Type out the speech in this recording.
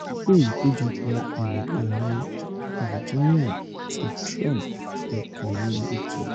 Àkókò Ìpéjọpọ̀ Ìwọ̀-oòrùn Virginia ti Trump, Ìkànnì YouTube